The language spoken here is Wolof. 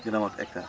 dina mat hectare